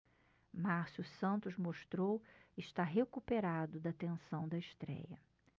márcio santos mostrou estar recuperado da tensão da estréia